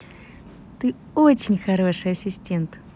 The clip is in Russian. ты очень хороший ассистент